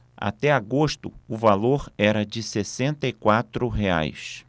até agosto o valor era de sessenta e quatro reais